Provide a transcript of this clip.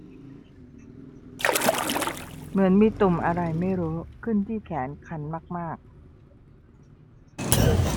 เหมือนมีตุ่มอะไรไม่รู้ขึ้นที่แขนคันมากมาก